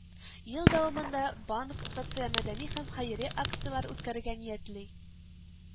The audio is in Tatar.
Ел дәвамында банк социомәдәни һәм хәйри акцияләре үткәрергә ниятли